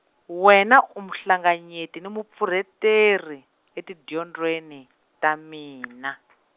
wena umuhlanganyeti ni mupfurheteri, etidyondzweni, ta mina.